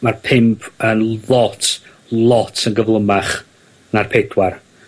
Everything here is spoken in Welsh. Ma'r pump yn lot lot yn gyflymach na'r pedwar.